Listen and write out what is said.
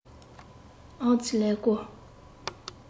ཨང རྩིས ཀླད ཀོར